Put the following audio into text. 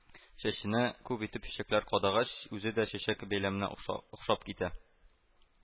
Чәченә күп итеп чәчәкләр кадагач, үзе дә чәчәк бәйләменә охшап охшап китә